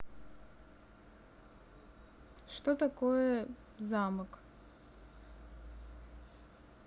что такое замок